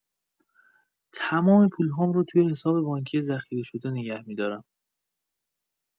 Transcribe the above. تمام پول‌هام رو توی حساب بانکی ذخیره‌شده نگه می‌دارم.